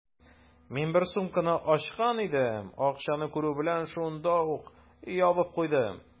Мин бер сумканы ачкан идем, акчаны күрү белән, шунда ук ябып куйдым.